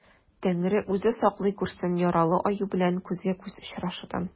Тәңре үзе саклый күрсен яралы аю белән күзгә-күз очрашудан.